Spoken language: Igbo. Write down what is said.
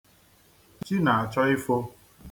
Chi na-achọ ifo.